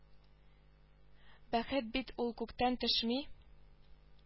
Бәхет бит ул күктән төшми